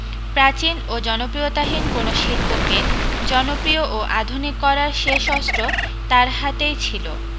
প্রাচীন ও জনপ্রিয়তাহীন কোনও শিল্পকে জনপ্রিয় ও আধুনিক করার শেষ অস্ত্র তার হাতেই ছিল